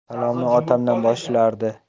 salomni otamdan boshlardi